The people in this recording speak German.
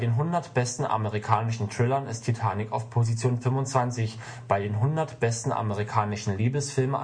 100 besten amerikanischen Thrillern ist Titanic auf Position 25, bei den 100 besten amerikanischen Liebesfilmen